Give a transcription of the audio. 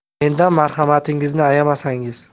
mendan marhamatingizni ayamasangiz